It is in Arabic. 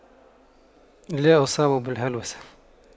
لا اصاب بالهلوسة